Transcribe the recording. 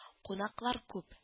Кунаклар күп